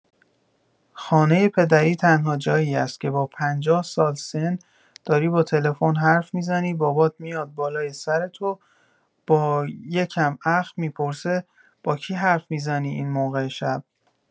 خانۀ پدری تنها جایی است که با پنجاه سال سن داری با تلفن حرف می‌زنی، بابات می‌اید بالای سرت وبا یه کم اخم، می‌پرسه: با کی حرف می‌زنی اینموقع شب؟